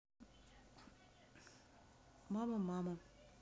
мама мама